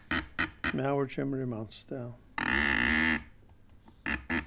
maður kemur í mans stað